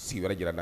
Si wɛrɛ jir'an na